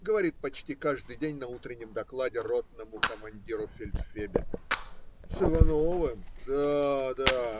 говорит почти каждый день на утреннем докладе ротному командиру фельдфебель. - С Ивановым?. Да, да.